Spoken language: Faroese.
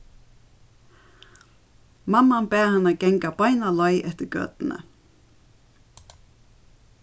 mamman bað hana ganga beina leið eftir gøtuni